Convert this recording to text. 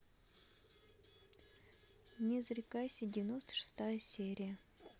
не зарекайся девяносто шестая серия